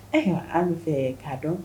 Ayiwa an fɛ k'a dɔn